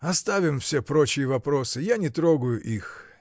— Оставим все прочие вопросы — я не трогаю их.